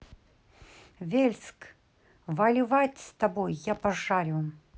вельск валивать с тобой я пожарю